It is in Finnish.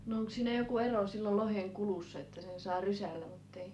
no onko siinä joku ero silloin lohen kulussa että sen saa rysällä mutta ei